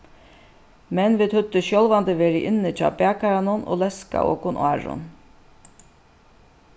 men vit høvdu sjálvandi verið inni hjá bakaranum og leskað okkum áðrenn